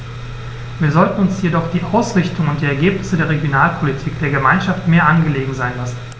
Wir sollten uns jedoch die Ausrichtung und die Ergebnisse der Regionalpolitik der Gemeinschaft mehr angelegen sein lassen.